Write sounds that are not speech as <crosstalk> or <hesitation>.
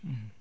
<hesitation> <hesitation>